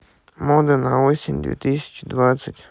мода на осень две тысячи двадцать